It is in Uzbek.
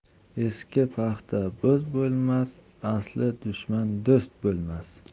eski paxta bo'z bo'lmas asli dushman do'st bo'lmas